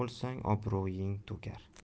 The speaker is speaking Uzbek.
bo'lsang obro'ying to'kar